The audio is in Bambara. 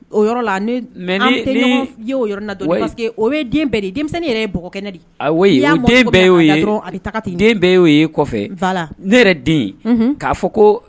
O yɔrɔ la yɔrɔ yɛrɛ ye y' ne yɛrɛ den k'a fɔ ko